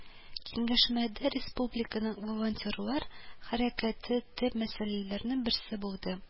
Киңәшмәдә республиканың волонтерлар хәрәкәте төп мәсьәләләрнең берсе булды